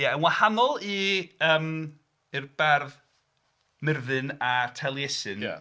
Ie yn wahanol i... yym i'r bardd Myrddin a Taliesin.